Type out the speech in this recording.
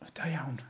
Da iawn.